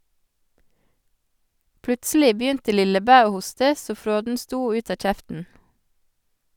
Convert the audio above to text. Plutselig begynte Lillebæ å hoste så fråden stod ut av kjeften.